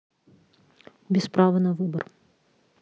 без права на выбор